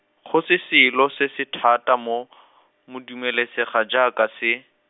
go se selo se se thata mo , mo dumelesega jaaka se.